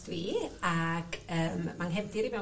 ...dwi ag yym ma'n nghefndir i fewn...